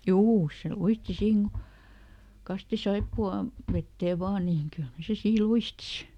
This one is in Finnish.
juu se luisti siinä - kastoi - saippuaveteen vain niin kyllähän se siinä luisti sitten